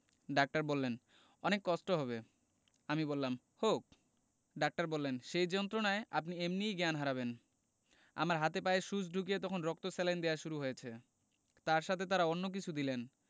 doctor বললেন অনেক কষ্ট হবে আমি বললাম হোক ডাক্তার বললেন সেই যন্ত্রণায় আপনি এমনি জ্ঞান হারাবেন আমার হাতে পায়ে সুচ ঢুকিয়ে তখন রক্ত স্যালাইন দেওয়া শুরু হয়েছে তার সাথে তারা অন্য কিছু দিলেন